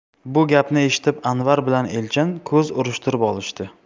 bu gapni eshitib anvar bilan elchin ko'z urishtirib olishdi